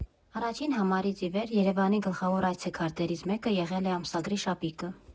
Առաջին համարից ի վեր՝ ԵՐԵՎԱՆի գլխավոր այցեքարտերից մեկը եղել է ամսագրի շապիկը։